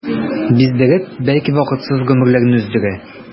Биздереп, бәлки вакытсыз гомерләрне өздерә.